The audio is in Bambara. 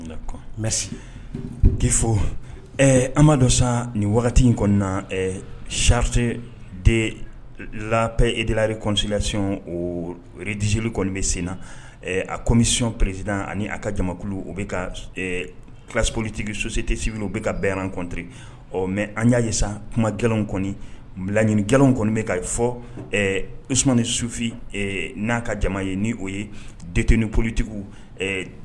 Dɔ sa ni in sariti la edresilac dizeli kɔni bɛ sen na a komiyon presid ani a ka jamakulu o bɛ ka kispolitigi sositesibi u bɛ ka bɛn kɔnte ɔ mɛ an y'a ye san kuma gɛlɛnlɛn kɔnilanɲinikɛlawlɛn kɔni bɛ ka fɔsuman ni sufin n'a ka jama ye ni o yet ni politigiw